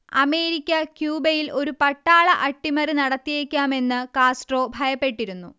America ക്യൂബയിൽ ഒരു പട്ടാള അട്ടിമറി നടത്തിയേക്കാമെന്ന് കാസ്ട്രോ ഭയപ്പെട്ടിരുന്നു